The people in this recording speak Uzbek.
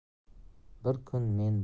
bir kun men bu